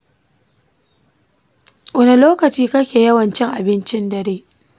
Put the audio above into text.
wane lokaci kake yawan cin abincin dare?